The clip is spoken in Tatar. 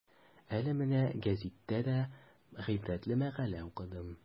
Әле менә гәзиттә бер гыйбрәтле мәкалә укыдым.